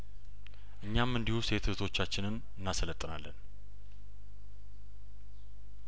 እኛም እንዲሁ ሴት እህቶታችንን እናሰልጥና